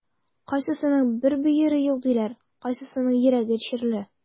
Кайсының бер бөере юк диләр, кайсының йөрәге чирле.